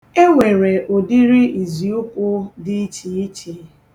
E nwere ụdịrị iziụkwụ dị iche iche.